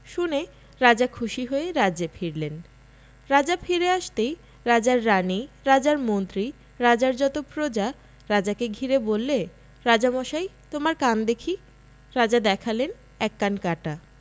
শুনে রাজা খুশি হয়ে রাজ্যে ফিরলেন রাজা ফিরে আসতেই রাজার রানী রাজার মন্ত্রী রাজার যত প্রজা রাজাকে ঘিরে বললে রাজামশাই তোমার কান দেখি রাজা দেখালেন এক কান কাটা